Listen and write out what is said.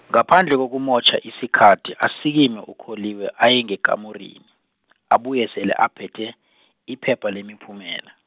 ngaphandle kokumotjha isikhathi asikime uKholiwe aye ngekamurini, abuye sele aphethe, iphepha lemiphumela.